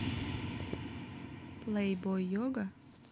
playboi йога